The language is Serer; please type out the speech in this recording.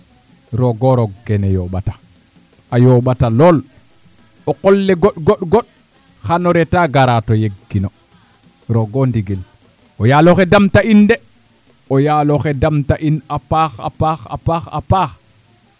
roog o roog kene yooɓata a yooɓata lool o qol le goɗ goɗ xan o retaa garaa to yegkino roog o ndigil o yaal oxe damta in de o yaal oxe damta in a paax paax a paax a paax